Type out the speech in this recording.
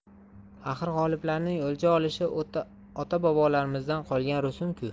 axir g'oliblarning o'lja olishi ota bobolarimizdan qolgan rusum ku